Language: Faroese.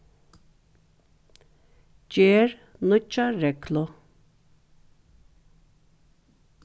ger nýggja reglu